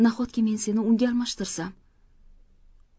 nahotki men seni unga almashtirsam